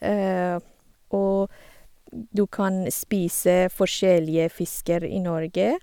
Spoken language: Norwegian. Og du kan spise forskjellige fisker i Norge.